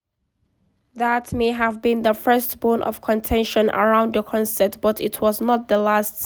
That may have been the first bone of contention around the concert, but it was not the last.